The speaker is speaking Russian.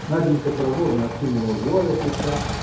Наденька проворно откинула вуаль от лица